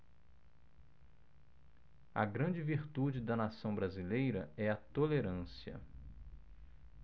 a grande virtude da nação brasileira é a tolerância